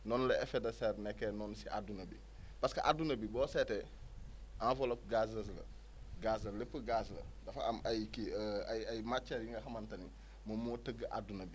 noonu la la effet de serre nekkee noonu si adduna bi parce que adduna bi boo seetee enveloppe gazeuse la gaz lépp gaz la dafa am ay kii ay matières yi nga xamante ne moom moo tënk addunabi